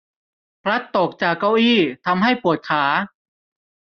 พลัดตกจากเก้าอี้ทำให้ปวดขา